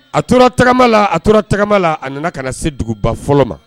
A tora tagama la a tora tagama la a nana ka na se duguba fɔlɔ ma